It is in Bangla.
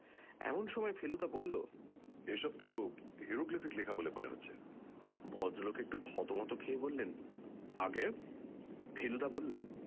এমন সময় ফেলুদা বলল এসব তো হিয়েরোগ্লিফিক লেখা বলে মনে হচ্ছে ভদ্রলোক একটু থতমত খেয়ে বললেন আজ্ঞে ফেলুদা বলল